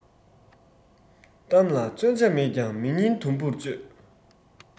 གཏམ ལ ཚོན ཆ མེད ཀྱང མི སྙིང དུམ བུར གཅོད